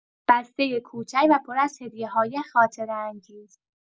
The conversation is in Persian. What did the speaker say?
بسته کوچک و پر از هدیه‌های خاطره‌انگیز